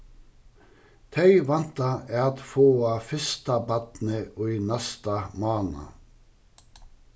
tey vænta at fáa fyrsta barnið í næsta mánað